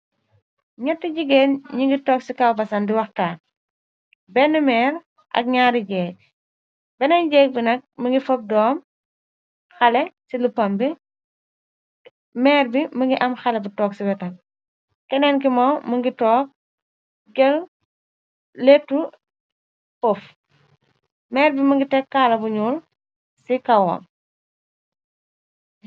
Nñetti jigéen ñi ngi toog ci kaw basang di waxtaan, benn meer ak gñaari géej. Benn jégg bi nag mi ngi fob doom, xalé, ci lupam bi, meer bi më ngi am xale bu toog ci wetab. Keneen ki mom, më ngi toog jel leetu pof, meer bi më ngi teg kaala bu ñuul ci kawam.